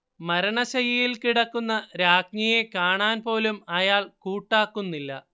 മരണശയ്യയിൽ കിടക്കുന്ന രാജ്ഞിയെ കാണാൻ പോലും അയാൾ കൂട്ടാക്കുന്നില്ല